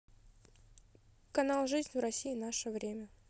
канал жизнь в россии наше время